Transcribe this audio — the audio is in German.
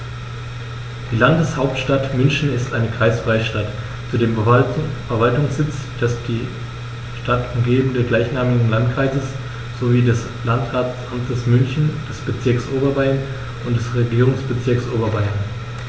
Die Landeshauptstadt München ist eine kreisfreie Stadt, zudem Verwaltungssitz des die Stadt umgebenden gleichnamigen Landkreises sowie des Landratsamtes München, des Bezirks Oberbayern und des Regierungsbezirks Oberbayern.